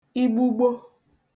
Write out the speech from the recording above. igbugbo